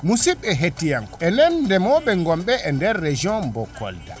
musidɓe hettiyankoɓe enen ndemoɓe gonɓe e nder région mbo Kolda